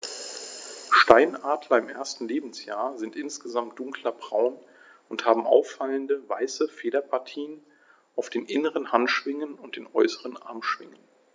Steinadler im ersten Lebensjahr sind insgesamt dunkler braun und haben auffallende, weiße Federpartien auf den inneren Handschwingen und den äußeren Armschwingen.